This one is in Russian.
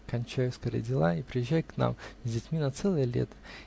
кончай скорей дела и приезжай к нам с детьми на целое лето.